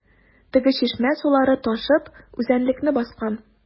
Теге чишмә сулары ташып үзәнлекне баскан.